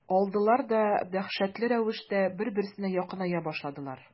Алдылар да дәһшәтле рәвештә бер-берсенә якыная башладылар.